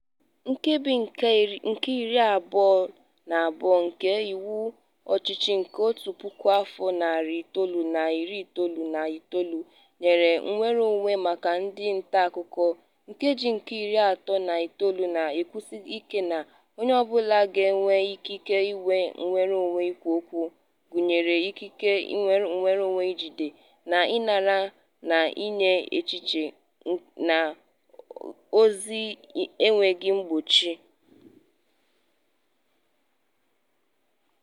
Nkebi nke iri abụọ na abụọ nke iwu ọchịchị nke otu puku afọ, narị itolu na iri itoolu na itoolu nyere nnwereonwe maka ndị ntaakụkọ, Nkeji nke iri atọ na itoolu na-ekwusi ike na ""onye ọbụla ga-enwe ikike inwe nnwereonwe ikwu okwu, gụnyere ikike nnwereonwe ijide, na ịnara na inye echiche na ozi n'enweghị mgbochi...""""